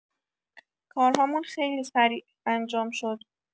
کارهامون خیلی سریع انجام شد